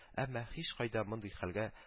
Әмма һичкайда мондый хәлгә